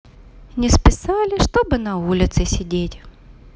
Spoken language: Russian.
на списали чтобы на улице сидеть